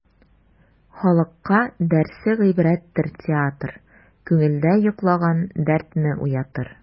Халыкка дәрсе гыйбрәттер театр, күңелдә йоклаган дәртне уятыр.